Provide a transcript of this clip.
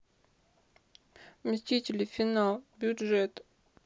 мстители финал бюджет